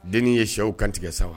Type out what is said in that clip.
Den ye shɛw kantigɛ sa wa